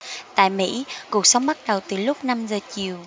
tại mỹ cuộc sống bắt đầu từ lúc năm giờ chiều